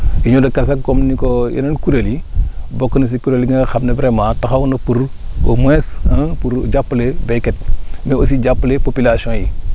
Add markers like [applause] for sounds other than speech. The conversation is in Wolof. union de Kasak comme ni ko yeneen kuréel yi bokk na si kuréel yi nga xam ne vraiment taxaw na pour au moins [hesitation] pour jàppale béykat mais aussi jàppale population yi